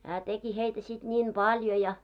hän teki heitä sitten niin paljon ja